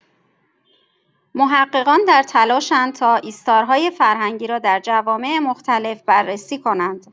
محققان در تلاش‌اند تا ایستارهای فرهنگی را در جوامع مختلف بررسی کنند.